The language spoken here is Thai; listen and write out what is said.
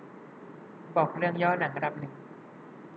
บอกเรื่องย่อหนังอันดับหนึ่ง